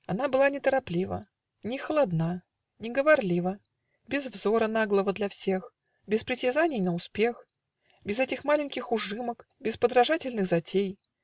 Она была нетороплива, Не холодна, не говорлива, Без взора наглого для всех, Без притязаний на успех, Без этих маленьких ужимок, Без подражательных затей.